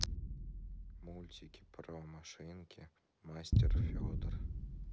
мультики про машинки мастер федор